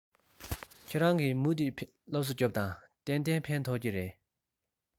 ཁྱེད རང གིས མུ མཐུད སློབ གསོ རྒྱོབས དང གཏན གཏན ཕན ཐོགས ཀྱི རེད